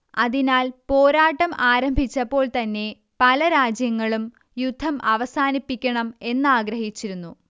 അതിനാൽ പോരാട്ടം ആരംഭിച്ചപ്പോൾ തന്നെ പല രാജ്യങ്ങളും യുദ്ധം അവസാനിപ്പിക്കണം എന്നാഗ്രഹിച്ചിരുന്നു